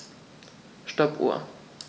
Stoppuhr.